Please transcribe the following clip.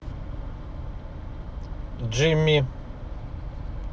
jimmy